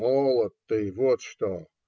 - Молод ты, вот что!